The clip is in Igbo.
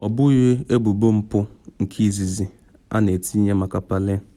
Ọ bụghị ebubo mpụ nke izizi a na etinye maka Palin.